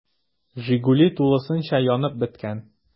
“жигули” тулысынча янып беткән.